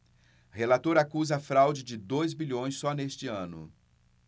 relator acusa fraude de dois bilhões só neste ano